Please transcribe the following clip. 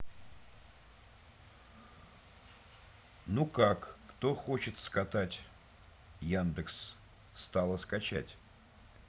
ну как кто хочет скатать яндекс стала скачать